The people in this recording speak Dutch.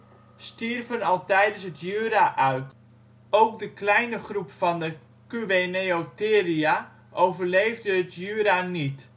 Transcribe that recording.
stierven al tijdens het Jura uit. Ook de kleine groep van de Kuehneotheria overleefde het Jura niet